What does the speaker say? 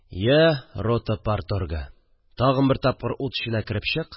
Я, рота парторгы, тагын бер тапкыр ут эченә кереп чык